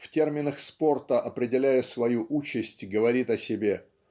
в терминах спорта определяя свою участь говорит о себе